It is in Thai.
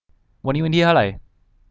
วันนี้วันที่เท่าไหร่